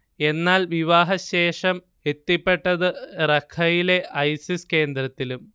എന്നാൽ, വിവാഹശേഷം എത്തിപ്പെട്ടത് റഖയിലെ ഐസിസ് കേന്ദ്രത്തിലും